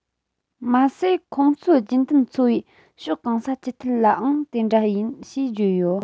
མ ཟད ཁོང ཚོའི རྒྱུན གཏན འཚོ བའི ཕྱོགས གང ས ཅི ཐད ལའང དེ འདྲ ཡིན ཞེས བརྗོད ཡོད